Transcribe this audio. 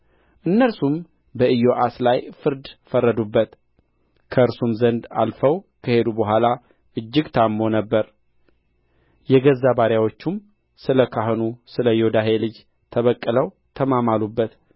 እነርሱም በኢዮአስ ላይ ፍርድ ፈረዱበት ከእርሱም ዘንድ አልፈው ከሄዱ በኋላ እጅግ ታምሞ ነበር የገዛ ባሪያዎቹም ስለ ካህኑ ስለ ዮዳሄ ልጅ ተበቅለው ተማማሉበት